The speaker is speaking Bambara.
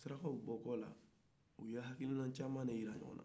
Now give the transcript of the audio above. sarakaw bɔlen kɔ u ye hakina camanw de jira ɲɔgɔn na